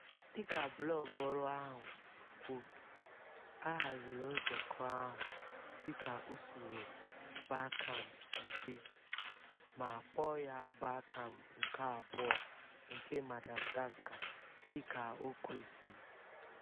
Dịka blọọgụ ọrụ ahụ si kwuo, a haziri nzukọ ahụ dịka usoro Barcamp si dị ma kpọọ ya Barcamp nke abụọ nke Madagascar dịka o kwesịrị.